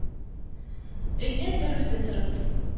Өйдә бер үзе торып